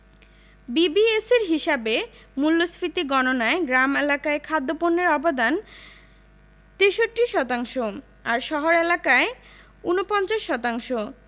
বিবিএসের হিসাবে মূল্যস্ফীতি গণনায় গ্রাম এলাকায় খাদ্যপণ্যের অবদান ৬৩ শতাংশ আর শহর এলাকায় ৪৯ শতাংশ